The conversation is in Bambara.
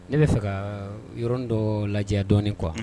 Ne be fɛ kaa yɔrɔ nin dɔɔ lajɛya dɔɔni quoi unhun